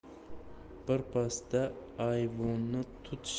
birpasda ayvonni tut